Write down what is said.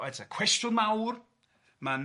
...wel eto cwestiwn mawr, ma'n